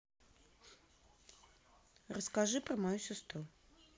расскажи про мою сестру